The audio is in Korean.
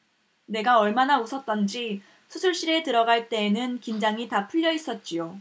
내가 얼마나 웃었던지 수술실에 들어갈 때에는 긴장이 다 풀려 있었지요